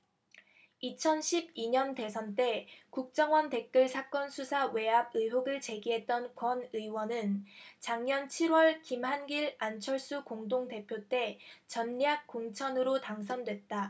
이천 십 이 년 대선 때 국정원 댓글 사건 수사 외압 의혹을 제기했던 권 의원은 작년 칠 월 김한길 안철수 공동대표 때 전략 공천으로 당선됐다